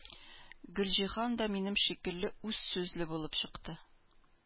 Гөлҗиһан да минем шикелле үзсүзле булып чыкты.